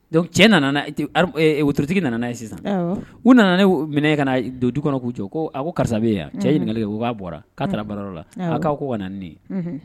Donc cɛ na na wotorotigi nana n'a ye sisan u nana ni minɛ ka na don du kɔnɔ k'u jɔ ko a ko karisa bɛ ye wa cɛ ye ɲininkali kɛ u ko k'a bɔra k'a taara baara yɔrɔ la k'a ko ko ka na nin ni ye.